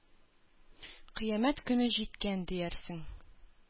Кыямәт көне җиткән диярсең.